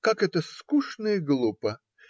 Как это скучно и глупо!